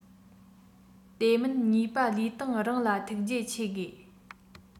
དེ མིན ཉེས པ ལུས སྟེང རང ལ ཐུགས རྗེ ཆེ དགོས